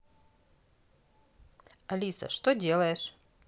алиса что делаешь